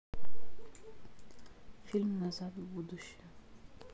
фильм назад в будущее